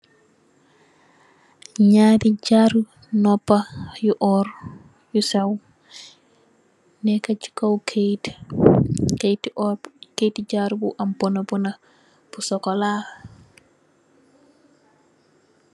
Nyaari jaaro noppa yu oor, yu seew, neka si kaw kayit, kayit ti oor kayit ti jaaro bu am bunabuna bu sokolaa